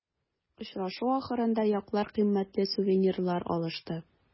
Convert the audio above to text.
Очрашу ахырында яклар кыйммәтле сувенирлар алышты.